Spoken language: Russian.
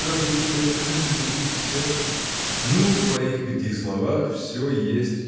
при разлуке крепко прижмете их к сердцу. – Ну в твоих пяти словах все есть